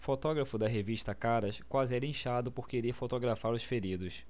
fotógrafo da revista caras quase é linchado por querer fotografar os feridos